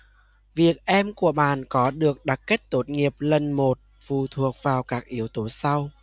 việc em của bạn có được đặc cách tốt nghiệp lần một phụ thuộc vào các yếu tố sau